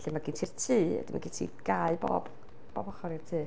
Felly mae gen ti'r tŷ, ac wedyn mae gen ti gae bob bob ochr i'r tŷ.